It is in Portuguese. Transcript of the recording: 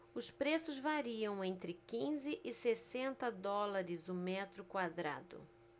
os preços variam entre quinze e sessenta dólares o metro quadrado